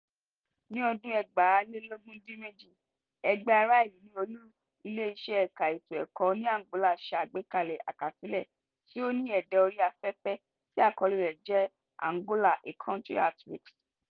Ní ọdún 2018, ẹgbẹ́ ara-ìlú ní olú-ilé iṣẹ́ ẹ̀ka ètò-ẹ́kọ́ ní Angola, ṣe àgbékalẹ̀ àkásílẹ̀ (tí ò ní ẹ̀dà orí-afẹ́fẹ́) tí àkọlé rẹ̀ jẹ́ ˆAngola, a country at risk".